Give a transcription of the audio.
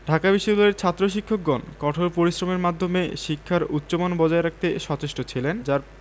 ঢাকা বিশ্ববিদ্যালয়ের ছাত্র শিক্ষকগণ কঠোর পরিশ্রমের মাধ্যমে শিক্ষার উচ্চমান বজায় রাখতে সচেষ্ট ছিলেন যার